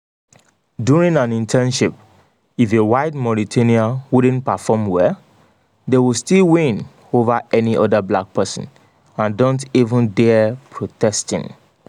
During an internship, if a white Mauritanian wouldn't perform well, they would still win over any other black person. And don't even dare protesting ...